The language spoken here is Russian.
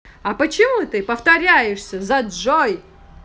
а почему ты повторяешься за джой